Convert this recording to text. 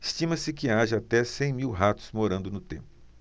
estima-se que haja até cem mil ratos morando no templo